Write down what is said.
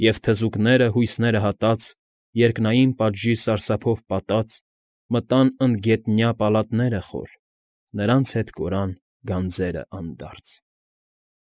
Եվ թզուկները, հույսները հատած, Երկնային պատժի սարսափով պատած, Մտան ընդգետնյա պալատները խոր, Նրանց հետ կորան գանձերը անդարձ։